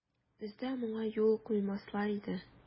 Бездә моңа юл куймаслар иде.